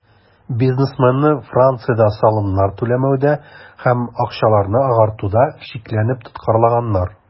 Бизнесменны Франциядә салымнар түләмәүдә һәм акчаларны "агартуда" шикләнеп тоткарлаганнар.